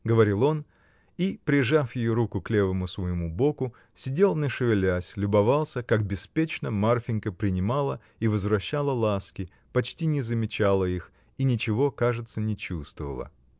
— говорил он и, прижав ее руку к левому своему боку, сидел не шевелясь, любовался, как беспечно Марфинька принимала и возвращала ласки, почти не замечала их и ничего, кажется, не чувствовала.